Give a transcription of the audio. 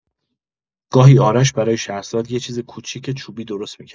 گاهی آرش برای شهرزاد یه چیز کوچیک چوبی درست می‌کرد.